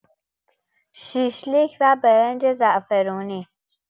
شیشلیک و برنج زعفرونی